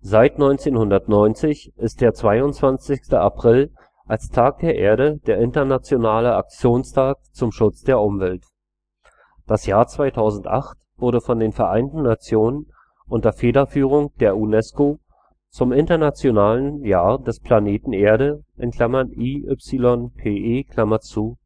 Seit 1990 ist der 22. April als Tag der Erde der internationale Aktionstag zum Schutz der Umwelt. Das Jahr 2008 wurde von den Vereinten Nationen unter Federführung der UNESCO zum Internationalen Jahr des Planeten Erde (IYPE)